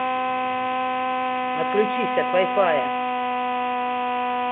отключись от вай фая